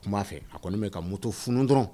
O b'a fɛ a kɔni bɛ ka muto funu dɔrɔn